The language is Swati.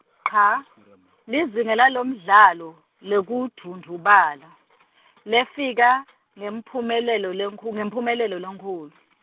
cha , lizinga lalomdlalo, lekudvundvubala , lefika, ngemphumelelo lenkhu-, ngemphumelelo lenkhulu.